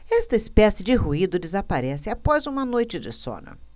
esta espécie de ruído desaparece após uma noite de sono